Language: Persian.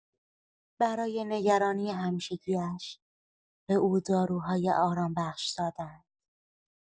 برای نگرانی همیشگی‌اش به او داروهای آرام‌بخش دادند.